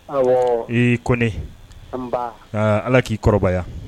Awɔ. I kone ala ki kɔrɔbaya.